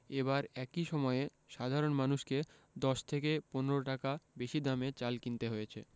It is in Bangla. এবার একই সময়ে সাধারণ মানুষকে ১০ থেকে ১৫ টাকা বেশি দামে চাল কিনতে হয়েছে